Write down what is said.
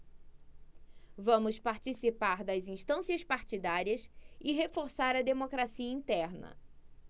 vamos participar das instâncias partidárias e reforçar a democracia interna